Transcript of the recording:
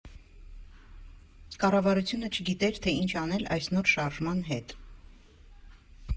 Կառավարությունը չգիտեր, թե ինչ անել այս նոր շարժման հետ։